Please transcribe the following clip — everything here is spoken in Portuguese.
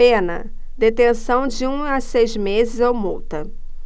pena detenção de um a seis meses ou multa